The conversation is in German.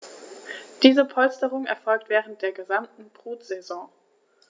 Diese Polsterung erfolgt während der gesamten Brutsaison.